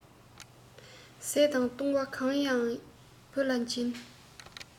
བཟས དང བཏུང བ གང ཡག བུ ལ སྦྱིན